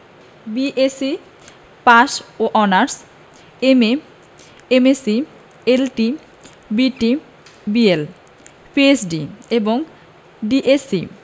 BSc pass ও honours MA MSc LT BT BL PhD এবং DSc